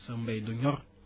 sa mbay du ñor